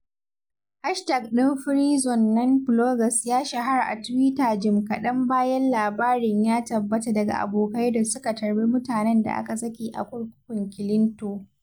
Hashtag ɗin #FreeZone9Bloggers ya shahara a Twitter jim kaɗan bayan labarin ya tabbata daga abokai da suka tarbi mutanen da aka saki a Kurkukun Kilinto.